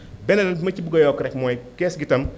beneen bi ma ci bëgg a yokk rek mooy kees gi itam